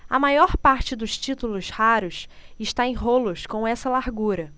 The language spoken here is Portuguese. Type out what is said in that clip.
a maior parte dos títulos raros está em rolos com essa largura